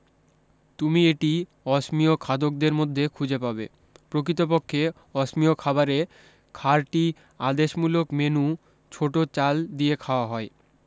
তুমি এটি অসমিয় খাদকদের মধ্যে খুজে পাবে প্রকৃত পক্ষে অসমিয় খাবারে খারটি আদেশমূলক মেনু ছোট চাল দিয়ে খাওয়া হয়